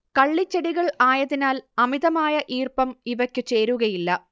കള്ളിച്ചെടികൾ ആയതിനാൽ അമിതമായ ഈർപ്പം ഇവക്കു ചേരുകയില്ല